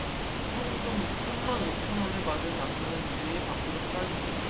현금 삼 만 오 천 원을 받은 남성은 유유히 밖으로 사라집니다